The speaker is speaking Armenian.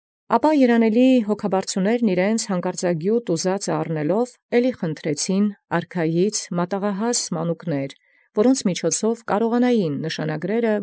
Ապա առեալ երանելի հոգաբարձուացն զյանկարծագիւտ խնդրելին, հայցէին ևս յարքայէ մանկունս մատաղս, որով զնշանագիրսն արծարծել մարթասցեն։